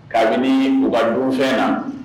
Kabini u bɛ denmisɛnw na